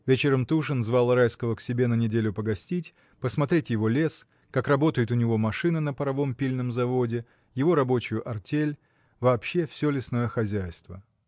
Вечером Тушин звал Райского к себе на неделю погостить, посмотреть его лес, как работает у него машина на паровом пильном заводе, его рабочую артель, вообще всё лесное хозяйство.